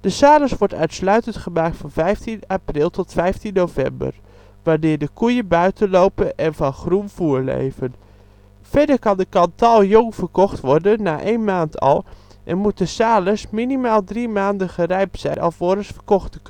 Salers wordt uitsluitend gemaakt van 15 april tot 15 november, wanneer de koeien buiten lopen en van groen voer leven. Verder kan een Cantal jong verkocht worden, na 1 maand al, en moet de Salers minimaal 3 maanden gerijpt zijn alvorens verkocht